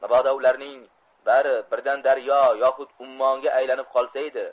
mabodo ularning bari birdan daryo yohud ummonga aylanib qolsaydi